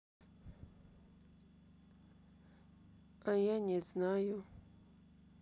а я не знаю